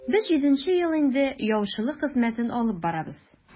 Без җиденче ел инде яучылык хезмәтен алып барабыз.